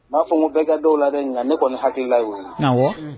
N'a fɔ ko bɛɛ ka dɔw la na ne kɔni hakilila'o ɔwɔ